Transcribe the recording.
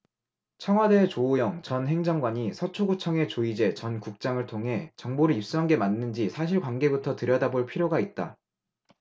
청와대의 조오영 전 행정관이 서초구청의 조이제 전 국장을 통해 정보를 입수한 게 맞는지 사실관계부터 들여다볼 필요가 있다